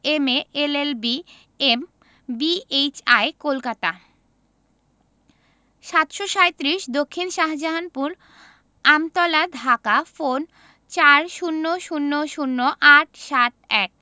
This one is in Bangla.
M A L L B M B H I Kolkata ৭৩৭ দক্ষিন শাহজাহানপুর আমতলা ধাকা ফোনঃ ৪০০০৮৭১